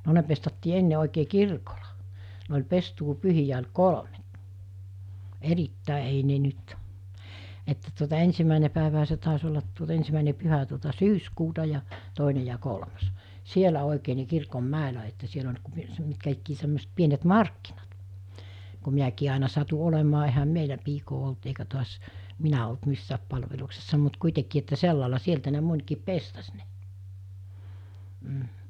no ne pestattiin ennen oikein kirkolla ne oli pestuupyhiä oli kolmet erittäin ei ne nyt että tuota ensimmäinen päivähän se taisi olla - ensimmäinen pyhä tuota syyskuuta ja toinen ja kolmas siellä oikein niin kirkonmäellä että siellä oli kun - mitkä ikään semmoiset pienet markkinat kun minäkin aina satuin olemaan eihän meillä piikaa ollut eikä taas minä ollut missään palveluksessa mutta kuitenkin että sillä lailla sieltä ne monikin pestasi ne mm